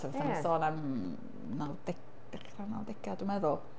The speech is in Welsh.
Ti'n gwbod fatha, mae'n sôn am, nawdeg- dechrau'r nawdegau, dwi'n meddwl.